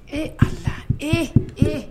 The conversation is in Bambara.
E asa e e